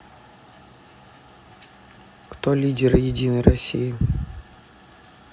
кто лидер единой россии